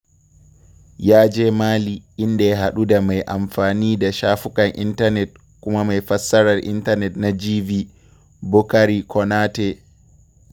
Ya je Mali, inda ya haɗu da mai amfani da shafukan intanet kuma mai fassarar intanet na GV, Boukary Konaté.